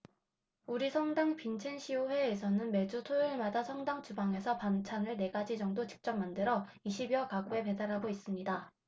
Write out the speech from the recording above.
우리 성당 빈첸시오회에서는 매주 토요일마다 성당 주방에서 반찬을 네 가지 정도 직접 만들어 이십 여 가구에 배달하고 있습니다